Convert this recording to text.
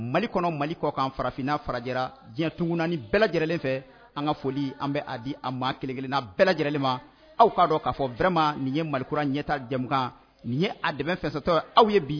Mali kɔnɔ, mali kɔ kan, farafinna, farajɛla diɲɛ tonkun 4 bɛɛ lajɛlen fɛ. An ka foli, an bɛ a di a maa kelenkelenna bɛɛ lajɛlen fɛ. Aw k'a dɔn k'a fɔ vraiment nin ye malikura ɲɛtaa jɛmukan, nin ye a dɛbɛ fɛnsɛtɔ ye aw ye bi